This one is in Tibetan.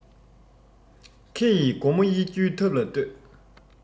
ཁེ ཡི སྒོ མོ དབྱེ རྒྱུའི ཐབས ལ ལྟོས